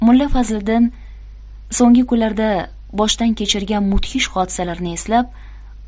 mulla fazliddin so'nggi kunlarda boshdan kechirgan mudhish hodisalarni eslab